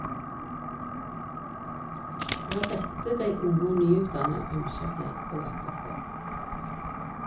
Det er dette dei unge og nyutdanna ønskjer seg og etterspør.